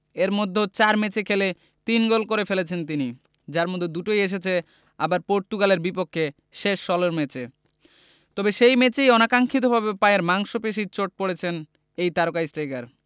এর মধ্যে ৪ ম্যাচে খেলে ৩ গোল করে ফেলেছেন তিনি যার মধ্যে দুটোই এসেছে আবার পর্তুগালের বিপক্ষে শেষ ষোলোর ম্যাচে তবে সেই ম্যাচেই অনাকাঙ্ক্ষিতভাবে পায়ের মাংসপেশির চোটে পড়েছেন এই তারকা স্ট্রাইকার